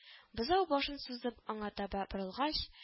Бозау башын сузып аңа таба борылгач